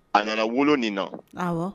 A nana wolo nin na.